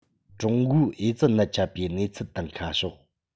ཀྲུང གོའི ཨེ ཙི ནད ཁྱབ པའི གནས ཚུལ དང ཁ ཕྱོགས